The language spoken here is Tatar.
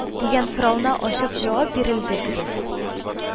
» дигән соравына ачык җавап бирелде кебек